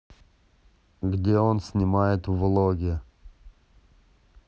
где он снимает влоги